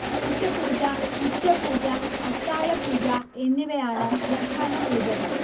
ഉഷഃപൂജ, ഉച്ചപൂജ, അത്താഴപൂജ എന്നിവയാണ് പ്രധാന പൂജകൾ